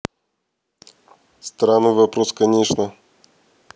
странный вопрос конечно